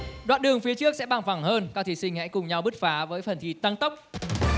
đoạn đường phía trước sẽ bằng phẳng hơn các thí sinh hãy cùng nhau bứt phá với phần thi tăng tốc